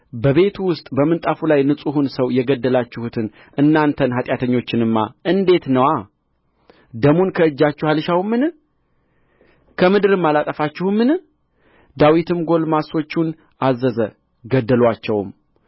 በቤቱ ውስጥ በምንጣፉ ላይ ንጹሑን ሰው የገደላችሁትን እናንተን ኃጢአተኞችንማ እንዴት ነዋ ደሙን ከእጃችሁ አልሻውምን ከምድርም አላጠፋችሁምን ዳዊትም ጕልማሶቹን አዘዘ ገደሉአቸውም